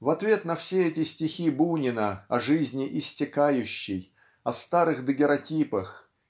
В ответ на все эти стихи Бунина о жизни иссякающей о старых дагеротипах